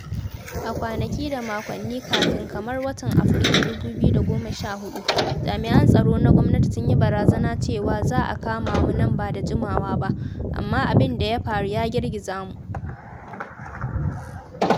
A kwanaki da makonnin kafin kamar watan Afrilu 2014, jami’an tsaro na gwamnati sun yi barazana cewa za a kama mu nan ba da jimawa ba, amma abin da ya faru ya girgiza mu.